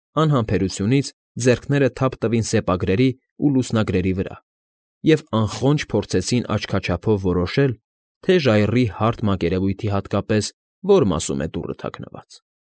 Անհամբերությունից ձեռքները թափ տվին սեպագրերի ու լուսնագրերի վրա և անխոնջ փորձեցին աչքաչափով որոշել, թե ժայռի հարթ մակերևույթի հատկապես ո՞ր մասում է դուռը թաքնված։